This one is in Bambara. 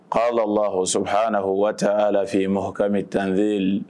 Ayiwa osɔ' na o waa lafifiye makami tane